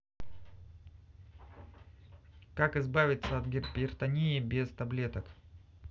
как избавиться от гипертонии без таблеток